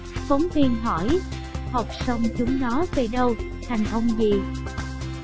phóng viên học xong chúng nó về đâu thành ông gì